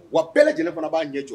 Wa bɛɛ lajɛlen fana b'a ɲɛ jɔ